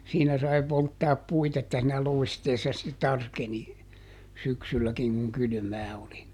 siinä sai polttaa puita että siinä loisteessa sitten tarkeni syksylläkin kun kylmää oli